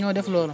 ñoo def loolu